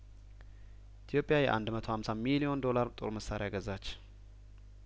ኢትዮጵያ የአንድ መቶ ሀምሳ ሚሊዮን ዶላር ጦር መሳሪያ ገዛች